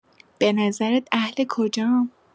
بنظرت اهل کجام؟